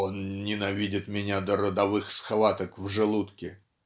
он "ненавидит меня до родовых схваток в желудке")